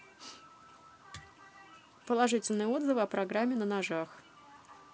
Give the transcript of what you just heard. положительные отзывы о программе на ножах